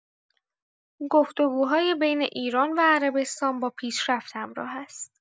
گفت‌وگوهای بین ایران و عربستان با پیشرفت همراه است.